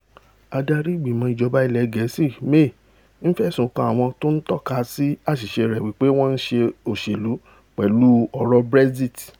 Adarí Ìgbìmọ̀ Ìjọba ilẹ̀ Gẹ̀ẹ́sì May ńfẹ̀sùn kan àwọn tó ńtọ́kasí àṣiṣe rẹ̀ wí pé wọ́n 'ńṣe òṣèlú' pẹlúi ọ̀rọ̀ Brexit